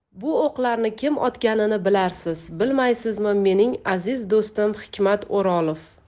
bu o'qlarni kim otganini bilarsiz bilmaysizmi mening aziz do'stim hikmat o'rolov